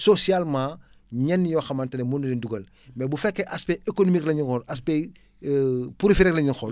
socialement ñenn yoo xamante ne mënuñu leen dugal mais bu fekkee aspect économique la ñu yemoon aspect profil rek la ñuy xool